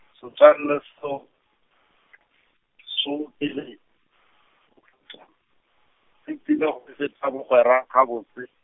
setswalle so-, , se tiile go feta bogwera ga botse.